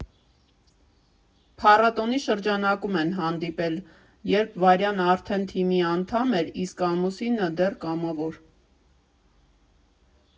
Փառատոնի շրջանակում են հանդիպել, երբ Վարյան արդեն թիմի անդամ էր, իսկ ամուսինը՝ դեռ կամավոր։